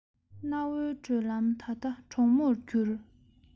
གནའ བོའི བགྲོད ལམ ད ལྟ གྲོག མོར གྱུར